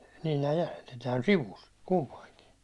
niin nämä jäsenet täällä sivussa kumpainenkin